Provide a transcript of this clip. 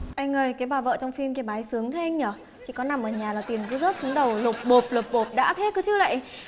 anh ơi cái bà vợ trong phim kia bà ý sướng thế anh nhờ chỉ có nằm ở nhà là tiền cứ rớt xuống đầu lộp bộp lộp bộp đã thế cơ chứ lạy